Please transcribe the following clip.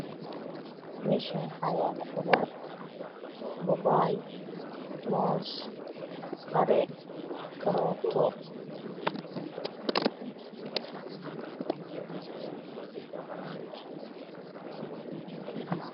Meeshan waxa yaala khudaar babaay muus qare, garooto